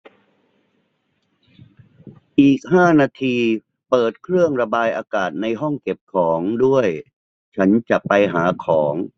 อีกห้านาทีเปิดเครื่องระบายอากาศในห้องเก็บของด้วยฉันจะไปหาของ